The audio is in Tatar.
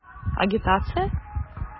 Агитация?!